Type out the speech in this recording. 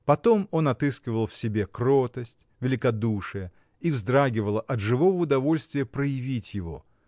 Потом он отыскивал в себе кротость, великодушие и вздрагивал от живого удовольствия проявить его